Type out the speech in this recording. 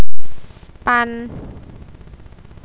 ปั่น